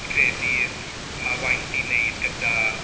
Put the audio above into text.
Fi'n credu ma' waith i wneud gyda...